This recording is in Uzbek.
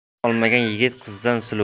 qiz olmagan yigit qizdan suluv